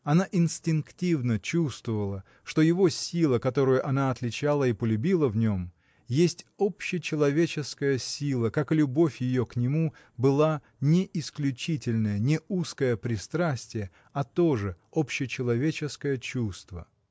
Она инстинктивно чувствовала, что его сила, которую она отличила и полюбила в нем, — есть общечеловеческая сила, как и любовь ее к нему была — не исключительное, не узкое пристрастие, а тоже общечеловеческое чувство.